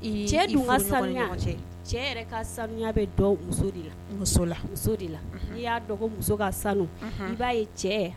Cɛ dun ka sanu cɛ cɛ ka sanu bɛ de muso muso de la n'i y'a dɔgɔ muso ka sanu i b'a ye cɛ